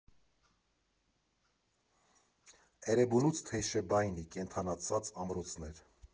Էրեբունուց Թեյշեբաինի՝ կենդանացած ամրոցներ։